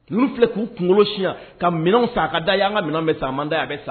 Ninnu filɛ k'u kunkolo siya ka minɛn san a ka da'an ka minɛn bɛ san a ma da a bɛ san